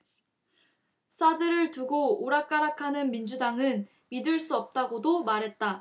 사드를 두고 오락가락하는 민주당은 믿을 수 없다고도 말했다